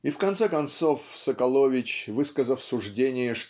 И в конце концов Соколович высказав суждение